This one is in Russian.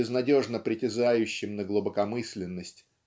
безнадежно притязающим на глубокомысленность